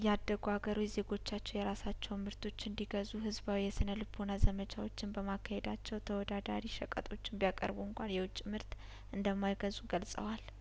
ያደጉ አገሮች ዜጐቻቸው የራሳቸውን ምርቶች እንዲ ገዙ ህዝባዊ የስነ ልቦና ዘመቻዎችን በማካሄዳቸው ተወዳዳሪ ሸቀጦችን ቢያቀርቡ እንኳን የውጭምርት እንደማይገዙ ገልጸዋል